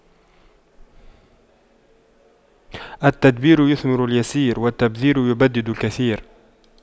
التدبير يثمر اليسير والتبذير يبدد الكثير